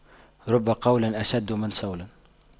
رب قول أشد من صول